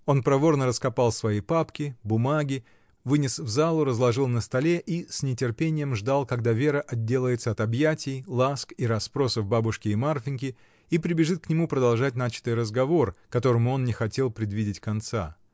Он проворно раскопал свои папки, бумаги, вынес в залу, разложил на столе и с нетерпением ждал, когда Вера отделается от объятий, ласк и расспросов бабушки и Марфиньки и прибежит к нему продолжать начатый разговор, которому он не хотел предвидеть конца.